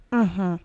Unhhun